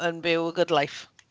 Yn byw y good life.